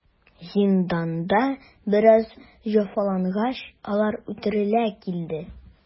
Зинданда бераз җәфалангач, алар үтерелә килде.